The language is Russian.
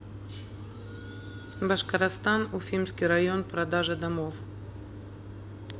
башкорстан уфимский район продажа домов